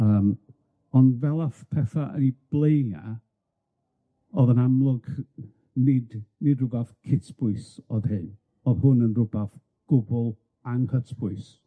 Yym, ond fel ath petha yn 'u blaena', o'dd yn amlwg nid nid rwbath cytbwys o'dd hyn, o'dd hwn yn rwbath gwbwl anghytbwys.